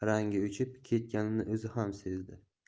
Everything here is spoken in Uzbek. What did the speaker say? rangi o'chib ketganini o'zi ham sezdi